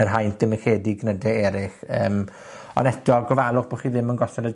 yr haint dim yn lledu i gnyde eryll. Yym. Ond eto, gofalwch bo' chi ddim yn gosod y